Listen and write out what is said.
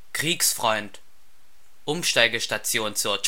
Kriegsfreund), Umsteigestation zur